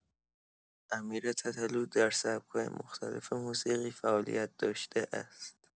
امیر تتلو در سبک‌های مختلف موسیقی فعالیت داشته است.